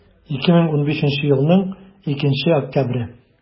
2015 елның 2 октябре